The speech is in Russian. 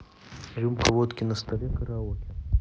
рюмка водки на столе караоке